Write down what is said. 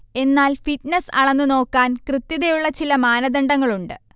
എന്നാൽ ഫിറ്റ്നെസ് അളന്നുനോക്കാൻ കൃത്യതയുള്ള ചില മാനദണ്ഡങ്ങളുണ്ട്